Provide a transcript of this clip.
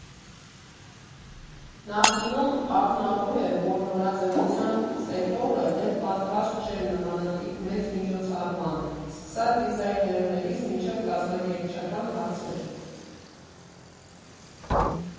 Նախկինում ակնառու էր, որ նորաձևության սեկտորը դեռ պատրաստ չի նմանատիպ մեծ միջոցառմաան՝ սկսած դիզայներներից մինչև կազմակերպչական հարցեր։